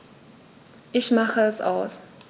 Ich mache es aus.